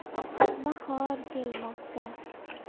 bahor kelmoqda